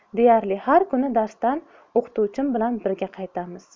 deyarli har kuni darsdan o'qituvchim bilan birga qaytamiz